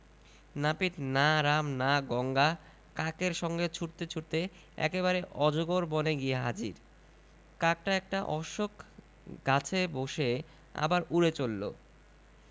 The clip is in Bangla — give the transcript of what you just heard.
নাপিত না রাম না গঙ্গা কাকের সঙ্গে ছুটতে ছুটতে একেবারে অজগর বনে গিয়ে হাজির কাকটা একটা অশ্বখ গাছে বসে আবার উড়ে চলল